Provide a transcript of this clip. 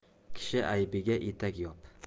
kishi aybiga etak yop